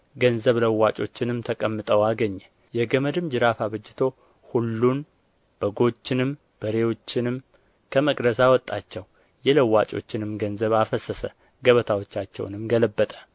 ገንዘብ ለዋጮችንም ተቀምጠው አገኘ የገመድም ጅራፍ አበጅቶ ሁሉን በጎችንም በሬዎችንም ከመቅደስ አወጣቸው የለዋጮችንም ገንዘብ አፈሰሰ ገበታዎቻቸውንም ገለበጠ